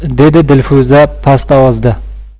dedi dilfuza past ovozda